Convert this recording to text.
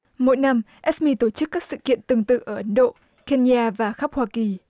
mỗi năm ét mi tổ chức các sự kiện tương tự ở ấn độ ken ny a và khắp hoa kỳ